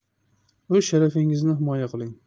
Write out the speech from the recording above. o'z sharafingizni himoya qiling